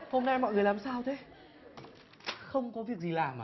hôm nay mọi người làm sao thế không có việc gì làm à